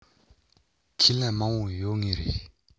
ཁས ལེན མང པོ ཡོད ངེས རེད